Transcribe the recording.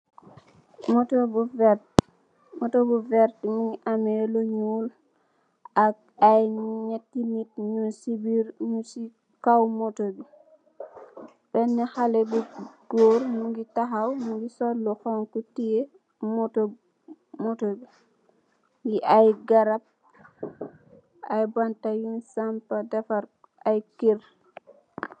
Motor bu werte, motor bu werte muge ameh lu njol ak aye nyate neete nugse birr nugse kaw motor be bena haleh bu goor muge tahaw muge sol lu hauhu teyeh motor be aye garab aye banta yun sampa defarr aye kerr.